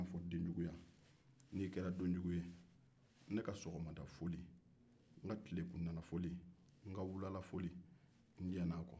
n'i kɛra denjugu ye ne ka sɔgɔmadafoli wulafefoli tileganfefoli n jɛnna a kɔ